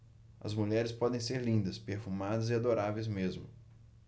as mulheres podem ser lindas perfumadas e adoráveis mesmo